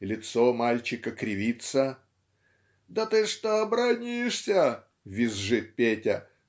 и лицо мальчика кривится. "Да ты что бранишься? - визжит Петя.